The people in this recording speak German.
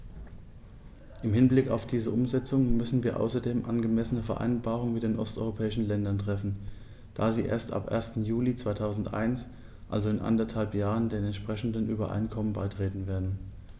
Im Hinblick auf diese Umsetzung müssen wir außerdem angemessene Vereinbarungen mit den osteuropäischen Ländern treffen, da sie erst ab 1. Juli 2001, also in anderthalb Jahren, den entsprechenden Übereinkommen beitreten werden.